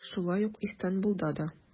Шулай ук Истанбулда да.